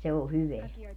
mutta se on hyvää